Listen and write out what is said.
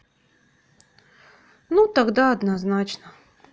ну тогда тогда однозначно